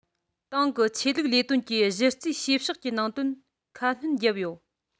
ཏང གི ཆོས ལུག ལས དོན གྱི གཞི རྩའི བྱེད ཕྱོགས ཀྱི ནང དོན ཁ སྣོན བརྒྱབ ཡོད